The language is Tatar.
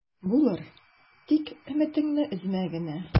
Булыр, тик өметеңне өзмә генә...